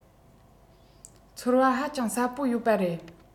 ཚོར བ ཧ ཅང ཟབ པོ ཡོད པ རེད